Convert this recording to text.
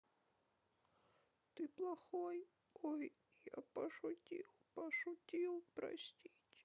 ты плохой ой я пошутил пошутил простить